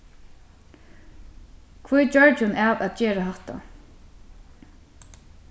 hví gjørdi hon av at gera hatta